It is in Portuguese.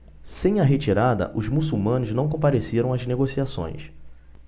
sem a retirada os muçulmanos não compareceram às negociações